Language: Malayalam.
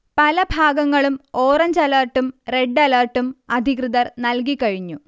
പലഭാഗങ്ങളും ഓറഞ്ച് അലർട്ടും, റെഡ് അലർട്ടും അധികൃതർ നല്കികഴിഞ്ഞു